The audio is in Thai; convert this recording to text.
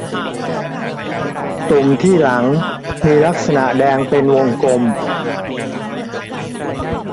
ตุ่มที่หลังมีลักษณะแดงเป็นวงกลม